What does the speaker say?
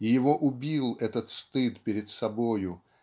и его убил этот стыд перед собою